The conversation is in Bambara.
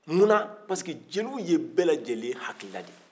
munna parce que jeliw ye bɛ lajɛlen hakina de ye